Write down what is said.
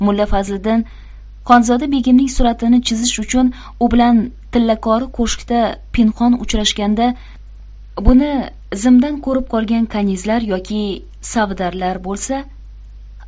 mulla fazliddin xonzoda begimning suratini chizish uchun u bilan tillakori ko'shkda pinhon uchrashganda buni zimdan ko'rib qolgan kanizlar yoki savdarlar bo'lsa